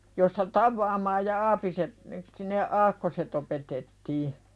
josta tavaamaan ja aapiset ne sitten ne aakkoset opetettiin